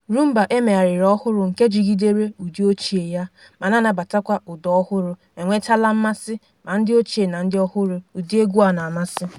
Rhumba a emegharịrị ọhụrụ nke jigidere ụdị ochie ya ma na-anabatakwa ụda ọhụrụ enwetaala mmasị ma ndị ochie na ndị ọhụrụ ụdị egwu a na-amasị.